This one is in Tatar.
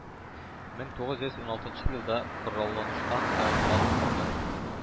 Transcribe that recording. Мең тугыз йөз уналтынчы елда коралланыштан алынган тупны,